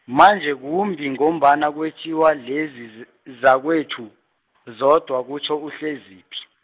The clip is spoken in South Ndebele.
manje kumbi ngombana kwetjiwa lezi ze- zakwethu, zodwa kutjho uHleziphi.